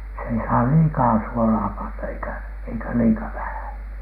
se ei saa liikaa suolaa panna eikä eikä liian vähän